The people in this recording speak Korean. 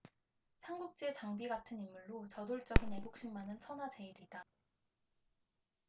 삼국지의 장비 같은 인물로 저돌적인 애국심만은 천하제일이다